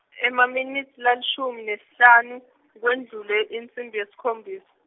Emaminitsi lalishumi nesihlanu, kwendlule insimbi yesikhombisa.